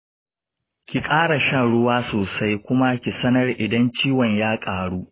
ki ƙara shan ruwa sosai kuma ki sanar idan ciwon ya ƙaru.